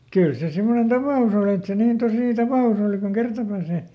kyllä se semmoinen tapaus oli että se niin tosi tapaus oli kuin kerta pääsee